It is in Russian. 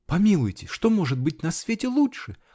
-- Помилуйте, что может быть на свете лучше?